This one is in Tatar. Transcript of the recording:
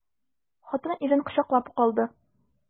Хатын ирен кочаклап ук алды.